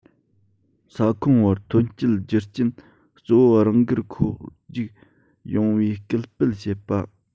ས ཁོངས བར ཐོན སྐྱེད རྒྱུ རྐྱེན གཙོ བོ རང དགར འཁོར རྒྱུག ཡོང བའི སྐུལ སྤེལ བྱེད པ